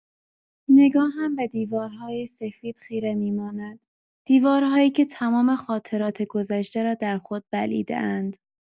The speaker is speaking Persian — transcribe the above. نگاهم به دیوارهای سفید خیره می‌ماند، دیوارهایی که تمام خاطرات گذشته را در خود بلعیده‌اند.